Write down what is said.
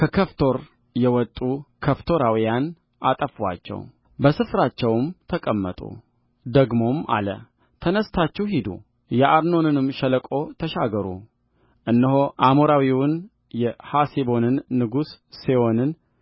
ከከፍቶር የወጡ ከፍቶራውያን አጠፉአቸው በስፍራቸውም ተቀመጡደግሞም አለ ተነሥታችሁ ሂዱ የአርኖንንም ሸለቆ ተሻገሩ እነሆ አሞራዊውን የሐሴቦንን ንጉሥ ሴዎንን